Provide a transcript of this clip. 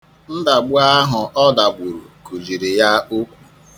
Ndagbu ahụ ọ dagburu kujiri ya ukwu.